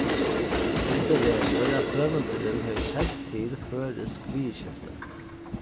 hildið verður at høvundurin hevur kent til føroysk viðurskifti